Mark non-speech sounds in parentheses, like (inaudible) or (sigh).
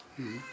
(hesitation) (hesitation)